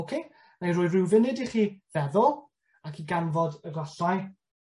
Oce? Nâi roi ryw funud i chi feddwl ac i ganfod y gwallau.